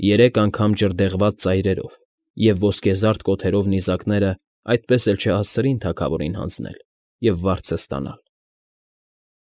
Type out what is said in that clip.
Երեք անգամ ջրդեղված ծայրերով և ոսկեզարդ կոթերով նիզակներն այդպես էլ չհասցրին թագավորին հանձնել և վարձն ստանալ։